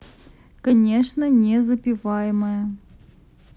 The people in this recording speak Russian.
конечно не запиваемая